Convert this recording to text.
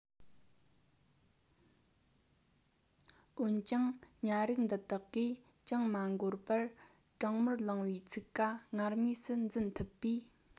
འོན ཀྱང ཉ རིགས འདི དག གིས ཅུང མ འགོར པར དྲང མོར ལངས པའི ཚུགས ཀ སྔར མུས སུ འཛིན ཐུབ པས